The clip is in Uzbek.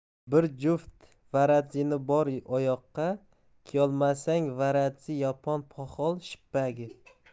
bir juft varadzini bir oyoqqa kiyolmaysan varadzi yapon poxol shippagi